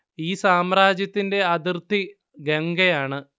ഈ സാമ്രാജ്യത്തിന്റെ അതിർത്തി ഗംഗ ആണ്